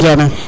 Djane